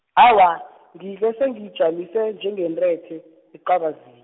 awa ngidle sengiyijamise njengentethe, ecabazi-.